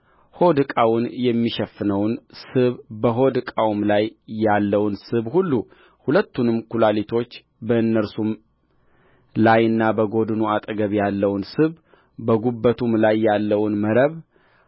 ሆድ ዕቃውን የሚሸፍነውን ስብ በሆድ ዕቃውም ላይ ያለውን ስብ ሁሉሁለቱንም ኵላሊቶች በእነርሱም ላይና በጎድኑ አጠገብ ያለውን ስብ በጕበቱም ላይ ያለውን መረብ